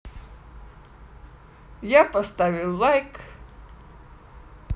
я поставил лайк